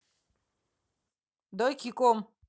дойки ком